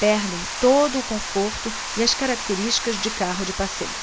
perdem todo o conforto e as características de carro de passeio